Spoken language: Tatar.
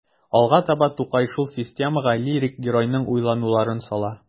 Алга таба Тукай шул системага лирик геройның уйлануларын сала.